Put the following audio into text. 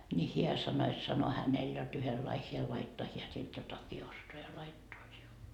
niin hän sanoi että sanoi hänellä jotta yhdenlainen hän laittaa hän sitten jotakin ostaa ja laittaa sinulle